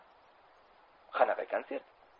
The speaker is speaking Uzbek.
qanaqa kontsert